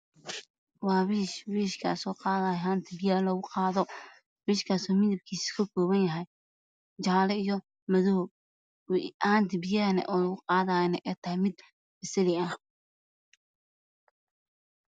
waa wiish wish kaas oo oo qaadaayo haanta biyaha lagu qaaado wish kaas oo midabkiisa yahaybubadan yahay jaalo iyo madow haanta biyahana uu qadayo ay tahay mid sali ah